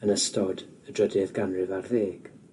yn ystod y drydydd ganrif ar ddeg